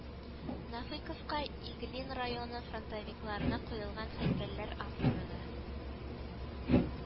Нәфыйковка, Иглин районы фронтовикларына куелган һәйкәлләр авторы да